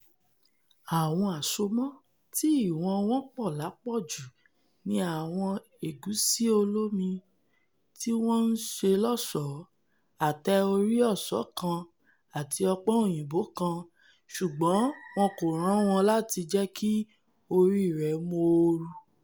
Àwọn àṣomọ tí ìwọ̀n wọn pọ̀ lápọ̀jù ní àwọn ẹ̀gúsí-olómi tíwọ́n ṣe lọ́ọ̀ṣọ́, ate-orí oṣó kan àti ọ̀pọ̀n-òyìnbó kan - ṣùgbọ́n wọn kò rán wọn láti jẹ́kí ori rẹ móooru.